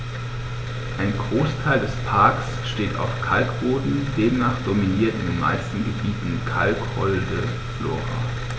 Ein Großteil des Parks steht auf Kalkboden, demnach dominiert in den meisten Gebieten kalkholde Flora.